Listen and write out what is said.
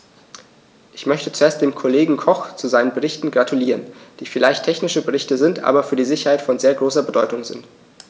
Ich möchte zuerst dem Kollegen Koch zu seinen Berichten gratulieren, die vielleicht technische Berichte sind, aber für die Sicherheit von sehr großer Bedeutung sind.